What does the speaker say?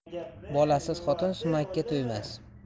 bolasiz xotin sumakka to'ymas